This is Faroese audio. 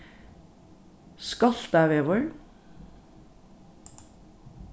skáltavegur